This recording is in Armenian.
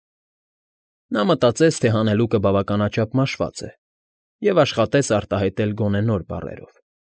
Նա մտածեց, թե հանելուկը բավականաչափ մաշված է, և աշխատեց արտահայտել գոնե նոր բառերով։